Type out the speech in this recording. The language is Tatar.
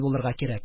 Булырга кирәк.